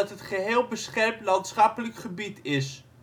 het geheel beschermd landschappelijk gebied is